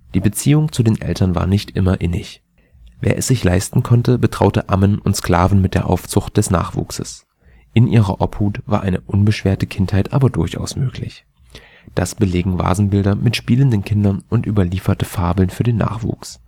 Die Beziehung zu den Eltern war nicht immer innig. Wer es sich leisten konnte, betraute Ammen und Sklaven mit der Aufzucht des Nachwuchses. In ihrer Obhut war eine unbeschwerte Kindheit aber durchaus möglich. Das belegen Vasenbilder mit spielenden Kindern und überlieferte Fabeln für den Nachwuchs